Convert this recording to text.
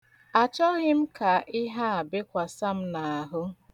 Achọghị ka ihe a bekwasa m n'ahụ.